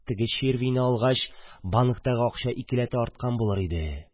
Теге червине алгач, банктагы акча икеләтә арткан булыр иде!..